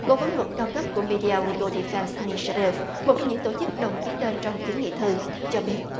cố vấn luật cao cấp của mi đi eo li gô đì phen sơ điu một trong những tổ chức đồng ký tên trong kiến nghị thư cho biết